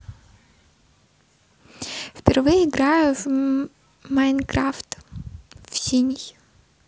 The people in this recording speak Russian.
впервые играю в minecraft в с синий